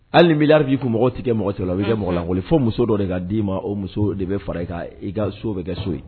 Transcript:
Hali ni b' b'i mɔgɔ tɛkɛ mɔgɔ cɛ la u bɛ kɛ mɔgɔ la fo muso dɔ de k' d'i ma o muso de bɛ fara i i ka so bɛ kɛ so ye